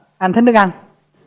anh thích nước anh